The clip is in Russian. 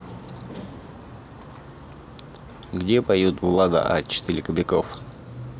где поют влада а четыре кобяков